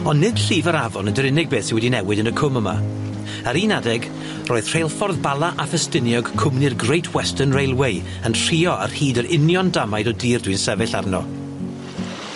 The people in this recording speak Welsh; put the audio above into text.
On' nid llif yr afon ydi'r unig beth sy wedi newid yn y cwm yma. Ar un adeg roedd rheilffordd Bala a Ffestiniog cwmni'r Great Western Railway yn rhuo ar hyd yr union damaid o dir dwi'n sefyll arno.